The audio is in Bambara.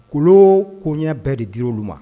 Kolon koɲɛ bɛɛ di di olu ma